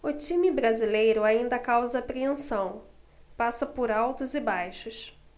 o time brasileiro ainda causa apreensão passa por altos e baixos